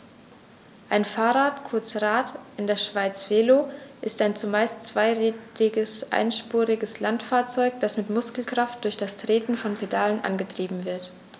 Ein Fahrrad, kurz Rad, in der Schweiz Velo, ist ein zumeist zweirädriges einspuriges Landfahrzeug, das mit Muskelkraft durch das Treten von Pedalen angetrieben wird.